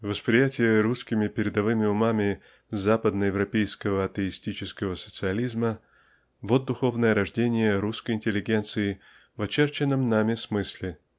Восприятие русскими передовыми умами западно-европейского атеистического социализма -- вот духовное рождение русской интеллигенции в очерченном нами смысле.